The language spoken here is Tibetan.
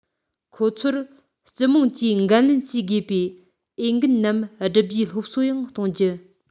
ཁོང ཚོར སྦྱི དམངས ཀྱིས འགན ལེན བྱེད དགོས པའི འོས འགན རྣམས བསྒྲུབ རྒྱུའི སློབ གསོ ཡང གཏོང རྒྱུ